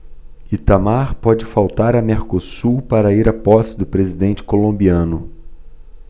itamar pode faltar a mercosul para ir à posse do presidente colombiano